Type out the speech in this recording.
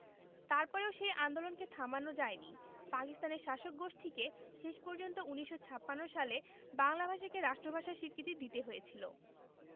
তারপরেও সেই আন্দোলনকে থামানো যায় নি পাকিস্তানের শাসক গোষ্ঠীকে শেষ পর্যন্ত ১৯৫৬ সালে বাংলা ভাষাকে রাষ্ট্রভাষার স্বীকৃতি দিতে হয়েছিল